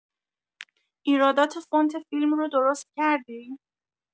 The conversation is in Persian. ایرادات فونت فیلم رو درست کردی؟